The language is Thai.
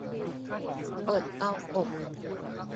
เปิดเตาอบ